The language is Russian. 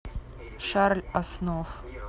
шарль основ